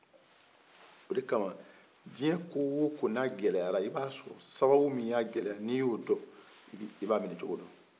o de kama diɲɛ ko o ko na gɛlɛyara i ba sɔrɔ sababu mun ya gɛlɛya ni b'o dɔn i ba minɛ cogo don